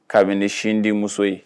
Kabini sin di muso in !